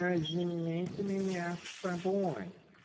- Возьмите меня с собой!